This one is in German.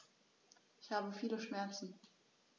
Ich habe viele Schmerzen.